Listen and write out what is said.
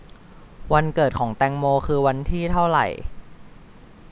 วันเกิดของแตงโมคือวันที่เท่าไร